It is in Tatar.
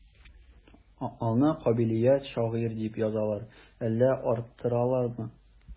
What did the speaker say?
Аны кабилиятле шагыйрь дип язалар, әллә арттыралармы?